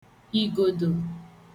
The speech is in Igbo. ìgòdò